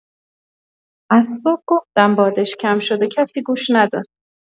از صبح گفتم بادش کم شده، کسی گوش نداد.